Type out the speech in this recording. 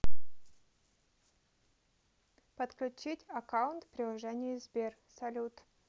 подключить аккаунт в приложении сбер салют